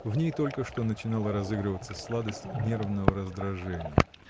В ней только что начинала разыгрываться сладость нервного раздражения.